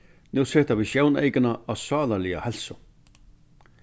nú seta vit sjóneykuna á sálarliga heilsu